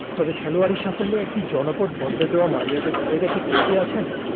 তবে খেলোয়াড়ি সাফল্যে একটা জনপদ বদলে দেওয়ায় মারিয়াদের ধারেকাছে কেউ কি আছেন